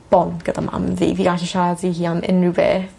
bond gyda mam fi fi gallu siarad i hi am unrywbeth.